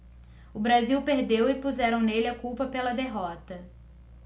o brasil perdeu e puseram nele a culpa pela derrota